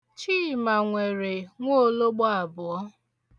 Chima nwere nwoologbo abụọ.